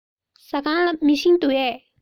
ཟ ཁང ལ མེ ཤིང འདུག གས